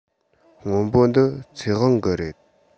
སྔོན པོ འདི ཚེ དབང གི རེད